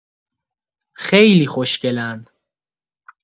خیلی خوشگلن!